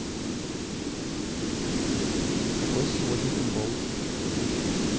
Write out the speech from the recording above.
какой сегодня футбол